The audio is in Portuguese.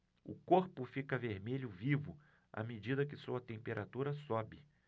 o corpo fica vermelho vivo à medida que sua temperatura sobe